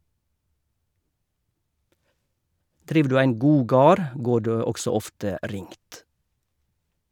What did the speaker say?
Driv du ein god gard, går det også ofte ringt.